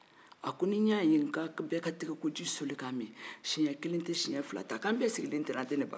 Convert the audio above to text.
n'i y'a ye n ko k'a ka tɛgɛkoji soli ka min siɲɛ kelen tɛ siɲɛ fila tɛ an bɛɛ sigilen tɛ nin ye ɲɔgɔn fɛ wa